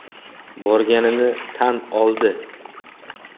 borganini tan oldi